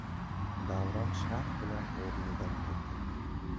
davron shasht bilan o'rnidan turdi